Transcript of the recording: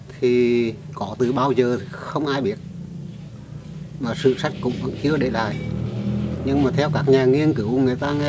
khi có từ bao giờ không ai biết mà sử sách cũng chưa để lại nhưng mà theo các nhà nghiên cứu người ta nghe